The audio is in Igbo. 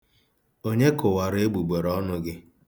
Onye kụwara egbugbereọnụ gị.